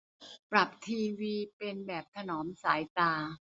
ปรับทีวีเป็นแบบถนอมสายตา